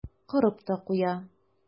Корып та куя.